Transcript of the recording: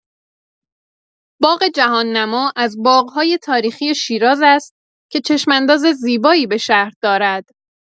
باغ جهان‌نما از باغ‌های تاریخی شیراز است که چشم‌انداز زیبایی به شهر دارد.